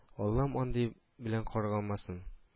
— аллам андый белән каргамасын